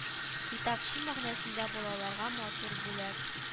Китап чын мәгънәсендә балаларга матур бүләк